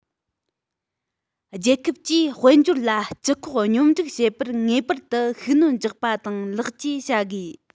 རྒྱལ ཁབ ཀྱིས དཔལ འབྱོར ལ སྤྱི ཁོག སྙོམས སྒྲིག བྱེད པར ངེས པར དུ ཤུགས སྣོན རྒྱག པ དང ལེགས བཅོས བྱ དགོས